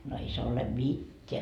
no ei se ole mitään